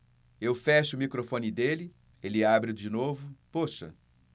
eu fecho o microfone dele ele abre de novo poxa